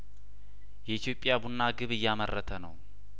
የኢትዮጵያ ቡና ግብ እያመረተ ነው